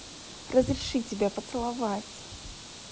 разреши тебя поцеловать